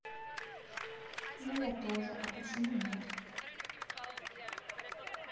ну я тоже а почему нет